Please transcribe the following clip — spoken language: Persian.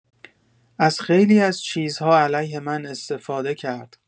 از خیلی از چیزها علیه من استفاده کرد.